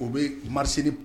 O bɛ mariris